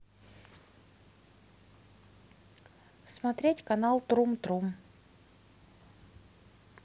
смотреть канал трум трум